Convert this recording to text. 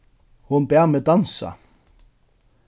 hon bað meg dansa